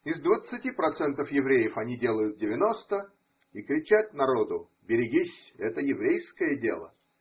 Из двадцати процентов евреев они делают девяносто и кричат народу: берегись, это еврейское дело!